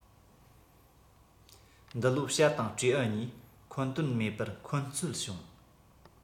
འདི ལོ བྱ དང སྤྲེའུ གཉིས འཁོན དོན མེད པར འཁོན རྩོད བྱུང